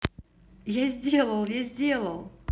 я сделал я сделал